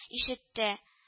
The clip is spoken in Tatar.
Ишетте: